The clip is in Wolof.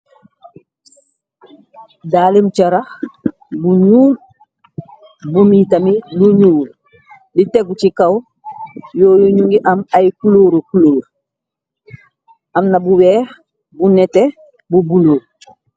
Daalim carax bu nuu , bu miitami li nuwul , di tegu ci kaw yoo yu ñu ngi am ay klóru klóru, amna bu weex bu nete bu bulo.